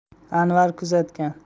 anvar kuzatgan